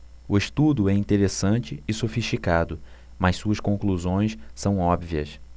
o estudo é interessante e sofisticado mas suas conclusões são óbvias